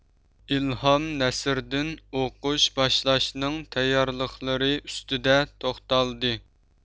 ئىلھام نەسىردىن ئوقۇش باشلاشنىڭ تەييارلىقلىرى ئۈستىدە توختالدى